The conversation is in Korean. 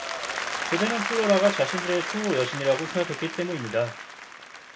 그들은 플로라가 자신들의 수호 여신이라고 생각했기 때문입니다